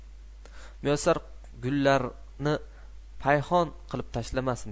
muyassar gullarni payhon qilib tashlamasin